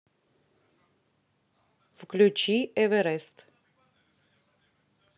включи эверест